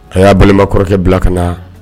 A y'a balima kɔrɔkɛ bila ka na